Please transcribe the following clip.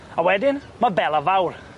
A wedyn, ma' Bela Fawr.